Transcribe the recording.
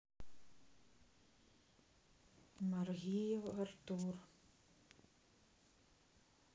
маргиев артур